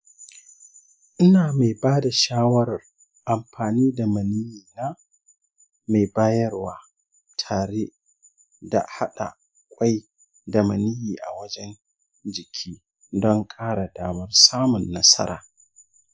ina ba da shawarar amfani da maniyyi na mai bayarwa tare da haɗa ƙwai da maniyyi a wajen jiki don ƙara damar samun nasara.